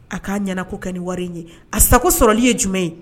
A k'a ɲɛna ko kɛ nin wari in ye a sago sɔrɔli ye jumɛn ye